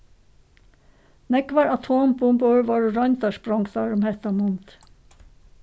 nógvar atombumbur vórðu royndarsprongdar um hetta mundið